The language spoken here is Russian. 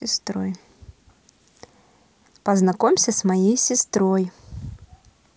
познакомься с моей сестрой